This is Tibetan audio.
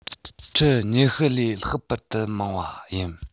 ཁྲི ༢༠ ལས ལྷག པར དུ མང བ ཡིན